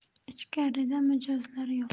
ichkarida mijozlar yo'q